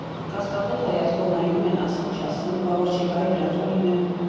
Կասկածոտ հայացքով նայում են՝ ասեն֊չասե՞ն, բա որ չեկայի դրածո լինե՞մ։